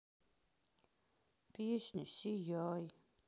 песня сияй